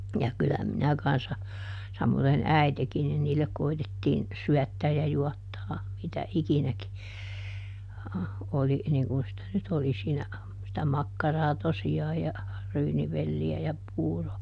ja kyllä minä kanssa samoiten äitikin niin niille koetettiin syöttää ja juottaa mitä ikinäkin oli niin kun sitä nyt oli siinä sitä makkaraa tosiaan ja ryynivelliä ja puuro